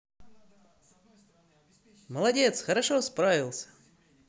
молодец хорошо справился